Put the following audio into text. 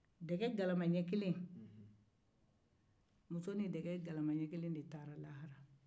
muso ni dɛge galama ɲɛ kelen de taara lahara